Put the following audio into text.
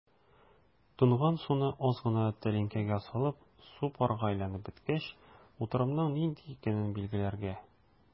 Тонган суны аз гына тәлинкәгә салып, су парга әйләнеп беткәч, утырымның нинди икәнен билгеләргә.